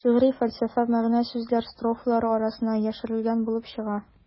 Шигъри фәлсәфә, мәгънә-сүзләр строфалар арасына яшерелгән булып чыга.